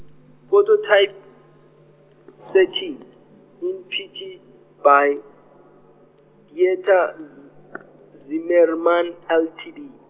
phototypesetting in P T by, Dieter z- Zimmermann L T D.